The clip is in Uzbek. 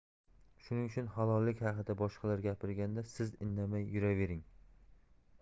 shuning uchun halollik haqida boshqalar gapirganda siz indamay yuravering